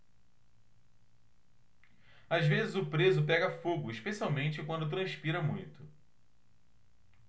às vezes o preso pega fogo especialmente quando transpira muito